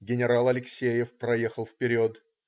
Генерал Алексеев проехал вперед.